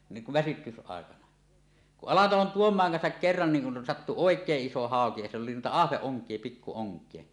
niin kuin väsytysaikana kun Alatalon Tuomaan kanssa kerran niin kun sattui oikein iso hauki ja sillä oli noita ahvenonkia pikku onkia